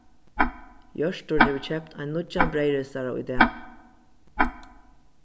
hjørtur hevur keypt ein nýggjan breyðristara í dag